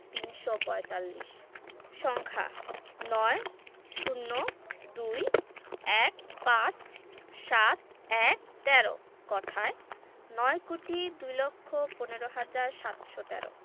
তিনশো পঁয়তাল্লিশ সংখ্যাঃ ৯ ০২ ১৫ ৭১৩ কথায়ঃ নয় কোটি দুই লক্ষ পনেরো হাজার সাতশো তেরো